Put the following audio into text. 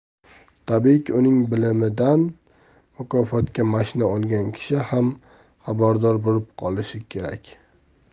tabiiyki uning bilimidan mukofotga mashina olgan kishi ham xabardor bo'lib qolishi kerak